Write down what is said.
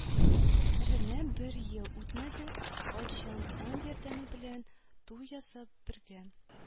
Ренә бер ел үтмәде, атҗан хан ярдәме белән туй ясап, бергә